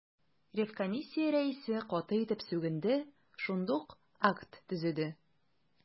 Ревкомиссия рәисе каты итеп сүгенде, шундук акт төзеде.